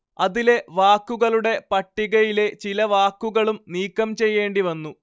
അതിലെ വാക്കുകളുടെ പട്ടികയിലെ ചില വാക്കുകളും നീക്കം ചെയ്യേണ്ടി വന്നു